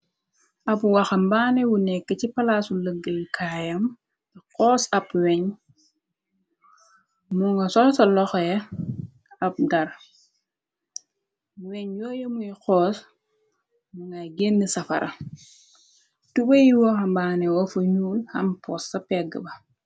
Ab waxa mbaane wu nekk ci palaasu lëgge kaayam te xoos ab weñ moo nga sol sa loxe ab dar weñ yooye muy xoos mu ngay genn safara tube yi waxambaane wafu ñyul ham pos sa pegge ba.